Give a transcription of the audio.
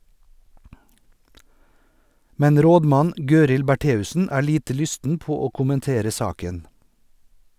Men rådmann Gøril Bertheussen er lite lysten på å kommentere saken.